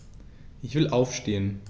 Ich will aufstehen.